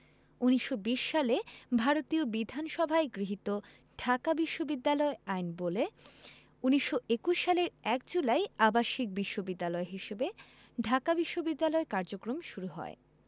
১৯২০ সালে ভারতীয় বিধানসভায় গৃহীত ঢাকা বিশ্ববিদ্যালয় আইনবলে ১৯২১ সালের ১ জুলাই আবাসিক বিশ্ববিদ্যালয় হিসেবে ঢাকা বিশ্ববিদ্যালয়ের কার্যক্রম শুরু হয়